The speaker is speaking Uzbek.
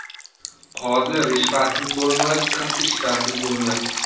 qozi rishvasiz bo'lmas qiz ishvasiz bo'lmas